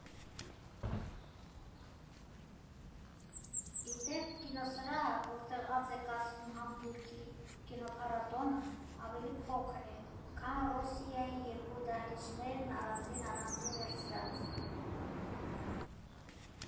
Ի դեպ, կինոսրահը, որտեղ անց է կացվում Համբուրգի կինոփառատոնը, ավելի փոքր է, քան «Ռոսիայի» երկու դահլիճներն առանձին֊առանձին վերցրած։